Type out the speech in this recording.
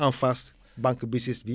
en face banque BICIS bi